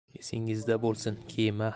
esingizda bo'lsin kema